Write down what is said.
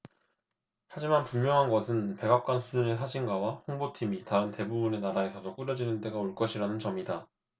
하지만 분명한 것은 백악관 수준의 사진가와 홍보팀이 다른 대부분의 나라에도 꾸려지는 때가 올 것이라는 점이다